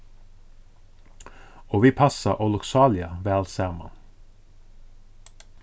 og vit passa ólukksáliga væl saman